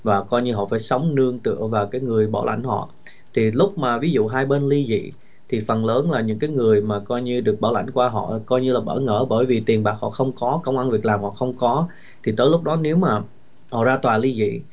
và coi như họ phải sống nương tựa vào cái người bảo lãnh họ thì lúc mà ví dụ hai bên ly dị thì phần lớn là những cái người mà coi như được bảo lãnh qua họ coi như là bỡ ngỡ bởi vì tiền bạc họ không có công ăn việc làm họ không có thì tới lúc đó nếu mà họ ra tòa ly dị